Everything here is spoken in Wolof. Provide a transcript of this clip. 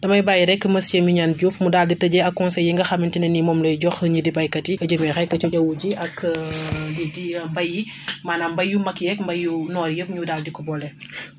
damay bàyyi rek monsieur Mignane diouf mu daal di tëjee ak conseils yi nga xamante ne nii moom lay jox ñii di béykat yi jëmee rek ci jaww ji k lii di mbéy yi maanaam mbéyu yu mag yeeg mbéy yu noor yeeg ñu daal di ko boole